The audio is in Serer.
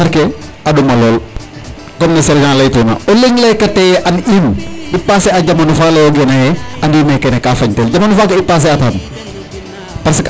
A kot ale, a kot alen taxar ke a ɗoma lool comme ne sergent laytuna o leŋ laykatee yee and'iim i passer a jamano fa layoogeena yee and'iim ee kene kaa fañtel jamano faaga i passer atan.